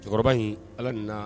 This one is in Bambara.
Cɛkɔrɔba in ala nana